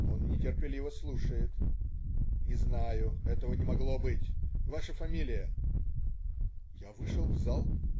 Он нетерпеливо слушает: "Не знаю, этого не могло быть, ваша фамилия?" Я вышел в зал.